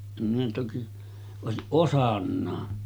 en minä toki olisi osannutkaan